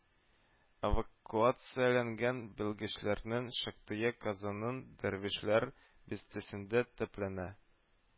Эвакуацияләнгән белгечләрнең шактые Казанның Дәрвишләр бистәсендә төпләнә